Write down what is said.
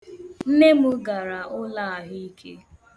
Nne m gara ụlọahụike